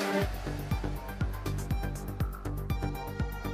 Sanunɛ